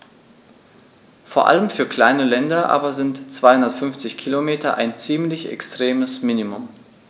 Vor allem für kleine Länder aber sind 250 Kilometer ein ziemlich extremes Minimum.